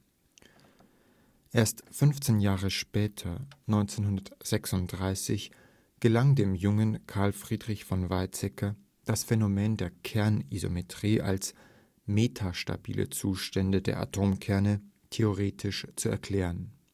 Erst 15 Jahre später, 1936, gelang es dem jungen Carl Friedrich von Weizsäcker, das Phänomen der Kernisomerie als „ metastabile Zustände der Atomkerne “theoretisch zu erklären